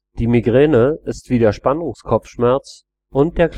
Die Migräne ist wie der Spannungskopfschmerz und der